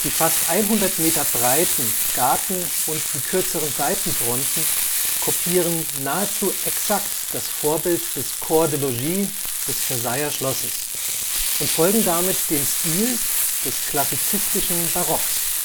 fast 100 Meter breiten Garten - und die kürzeren Seitenfronten kopieren nahezu exakt das Vorbild des Corps de Logis des Versailler Schlosses und folgen damit dem Stil des Klassizistischen Barocks